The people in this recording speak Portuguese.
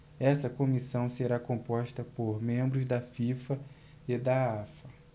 essa comissão será composta por membros da fifa e da afa